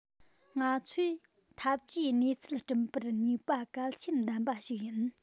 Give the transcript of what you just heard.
ང ཚོས འཐབ ཇུས གནས ཚུལ སྐྲུན པར ནུས པ གལ ཆེན ལྡན པ ཞིག ཡིན